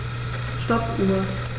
Stoppuhr.